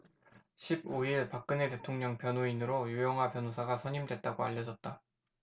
십 오 일 박근혜 대통령 변호인으로 유영하 변호사가 선임됐다고 알려졌다